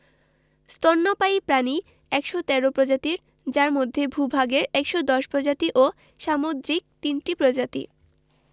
স্তন্যপায়ী প্রাণী ১১৩ প্রজাতির যার মধ্যে ভূ ভাগের ১১০ প্রজাতি ও সামুদ্রিক ৩ টি প্রজাতি